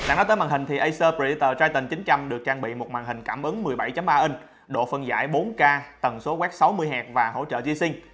sẵn nói đến màn hình thì acer predator triton được trang bị một màn hình cảm ứng độ phân giải k tần số quét hz hỗ trợ gsync